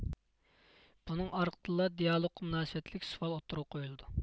بۇنىڭ ئارقىدىنلا دىئالوگقا مۇناسىۋەتلىك سوئال ئوتتۇرىغا قويۇلىدۇ